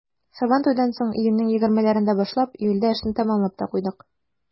Сабантуйдан соң, июньнең 20-ләрендә башлап, июльдә эшне тәмамлап та куйдык.